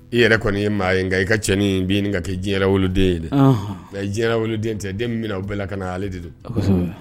I yɛrɛ kɔni ye maa in nka i ka cɛnin bi ka kɛ jinɛden dɛ mɛ jinɛ woloden tɛ den bɛna o bɛɛ ka na hali de do